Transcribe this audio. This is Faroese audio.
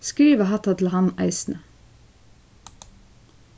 skriva hatta til hann eisini